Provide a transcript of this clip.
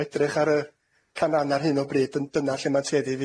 a Gwlad y Basg, sydd hefo amryw o sianeli yn eu